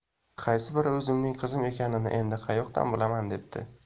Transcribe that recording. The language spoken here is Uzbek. qaysi biri o'zimning qizim ekanini endi qayoqdan bilaman debdi